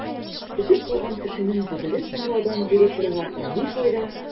Төшеп калган кешенең гозерен тыңлаудан директорга ни файда?